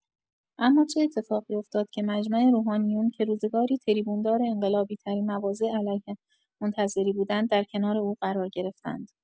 اما چه اتفاقی افتاد که مجمع روحانیون که روزگاری تریبون‌دار انقلابی‌ترین مواضع علیه منتظری بودند در کنار او قرار گرفتند؟